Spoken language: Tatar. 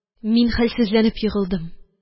Мин хәлсезләнеп егылдым.